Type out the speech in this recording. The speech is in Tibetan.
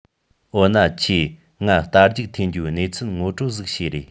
འོ ན ཁྱོས ངའ རྟ རྒྱུག འཐེན རྒྱུའོ གནས ཚུལ ངོ སྤྲོད ཟིག བྱོས རེས